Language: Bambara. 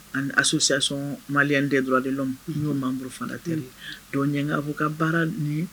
A so sisɔn mali de dɔrɔn de dɔn'omuru fantɛ dɔnka fɔ ka baara ni